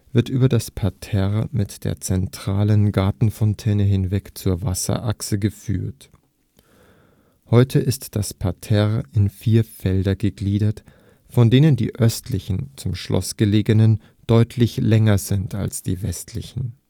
wird über das Parterre mit der zentralen Gartenfontäne hinweg zur Wasserachse geführt. Heute ist das Parterre in vier Felder gegliedert, von denen die östlichen, zum Schloss gelegenen, deutlich länger sind als die westlichen